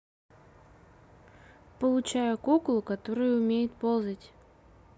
получая кукла которая умеет ползать